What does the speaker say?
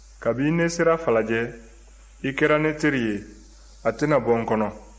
kabi ne sera falajɛ i kɛra ne teri ye a tɛna bɔ n kɔnɔ